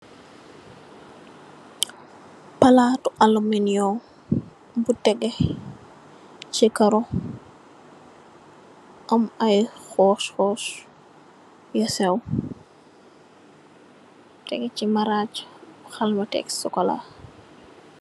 Palati alminium bu tege si karo am ay xos xos yu sew tege si marag bu xelmati cxocola.